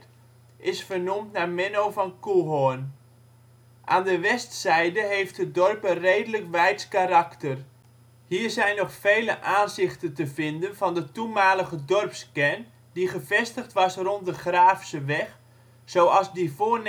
is vernoemd naar Menno van Coehoorn. Aan de westzijde heeft het dorp een redelijk weids karakter. Hier zijn nog vele aanzichten te vinden van de toenmalige dorpskern die gevestigd was rond de " Graafsche Weg " zoals die voor